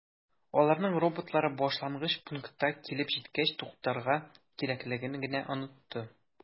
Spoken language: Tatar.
Аларның роботлары башлангыч пунктка килеп җиткәч туктарга кирәклеген генә “онытты”.